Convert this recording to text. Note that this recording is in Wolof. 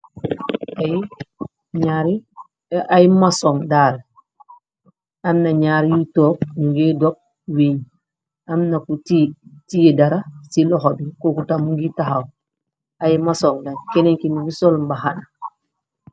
ay masong daal amna ñaar yuy toop ngi dopp wiñ amna ku tie dara ci loxo bi koku tamu ngi taxaw ay masong da keninkini bi sol mbaxana